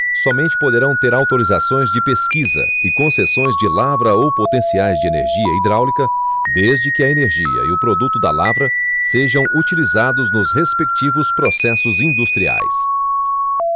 somente poderão ter autorizações de pesquisa e concessões de lavra ou potenciais de energia hidráulica desde que a energia e o produto da lavra sejam utilizados nos respectivos processos industriais